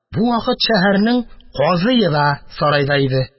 Бу вакыт шәһәрнең казые да сарайда иде.